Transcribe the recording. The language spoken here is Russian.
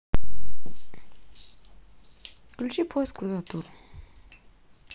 включи поиск клавиатуру